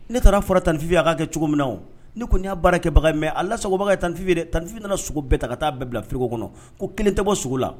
Ne taara fara tanfinyeya' kɛ cogo min na o ni ko n y'a baara kɛbaga mɛn ala la sagogoba kɛ tanfinye de tanfin nana sogo bɛɛ ta ka taa bɛɛ bila fiko kɔnɔ ko kelen tɛ bɔ sugu la